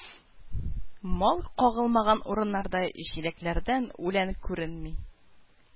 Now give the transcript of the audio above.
Мал кагылмаган урыннарда җиләкләрдән үлән күренми